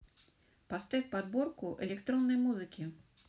поставь подборку электронной музыки